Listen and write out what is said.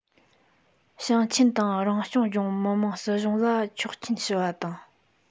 ཞིང ཆེན དང རང སྐྱོང ལྗོངས མི དམངས སྲིད གཞུང ལ ཆོག མཆན ཞུ རྒྱུ དང